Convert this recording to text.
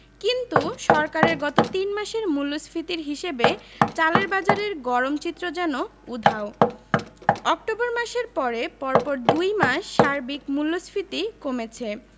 কিন্তু সরকারের গত তিন মাসের মূল্যস্ফীতির হিসাবে চালের বাজারের গরম চিত্র যেন উধাও অক্টোবর মাসের পরে পরপর দুই মাস সার্বিক মূল্যস্ফীতি কমেছে